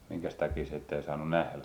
minkäs takia sitten ei saanut nähdä